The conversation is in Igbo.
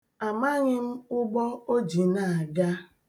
Amaghị m ụgbọ o ji na-aga.